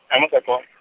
Ha Masako-.